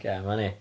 Oce 'ma ni.